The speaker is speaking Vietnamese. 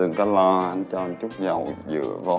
đừng có lo anh cho một chút dầu dừa vô